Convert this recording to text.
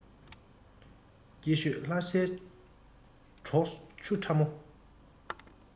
སྐྱིད ཤོད ལྷ སའི གྲོག ཆུ ཕྲ མོ